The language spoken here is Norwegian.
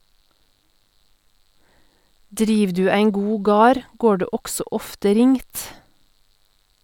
Driv du ein god gard, går det også ofte ringt.